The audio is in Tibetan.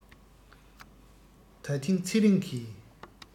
ད ཐེངས ཚེ རིང གིས